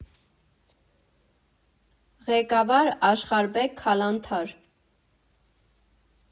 Ղեկավար՝ Աշխարհբեկ Քալանթար։